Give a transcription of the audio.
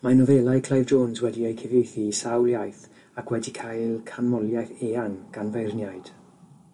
Mae nofelau Clive Jones wedi eu cyfieithu i sawl iaith ac wedi cael canmoliaeth eang gan feirniaid.